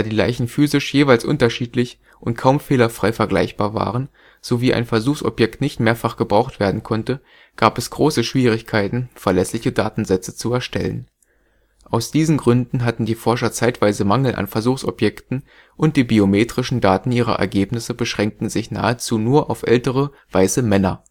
Leichen physisch jeweils unterschiedlich und kaum fehlerfrei vergleichbar waren, sowie ein Versuchsobjekt nicht mehrfach gebraucht werden konnte, gab es große Schwierigkeiten, verlässliche Datensätze zu erstellen. Aus diesen Gründen hatten die Forscher zeitweise Mangel an Versuchsobjekten und die biometrischen Daten ihrer Ergebnisse beschränkten sich nahezu nur auf ältere, weiße Männer